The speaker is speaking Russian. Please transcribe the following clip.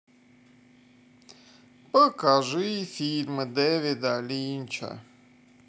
покажи фильмы дэвида линча